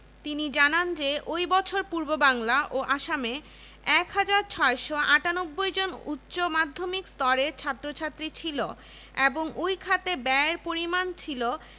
তিনি জানান যে ওই বছর পূর্ববাংলা ও আসামে ১ হাজার ৬৯৮ জন উচ্চ মাধ্যমিক স্তরের ছাত্র ছাত্রী ছিল এবং ওই খাতে ব্যয়ের পরিমাণ ছিল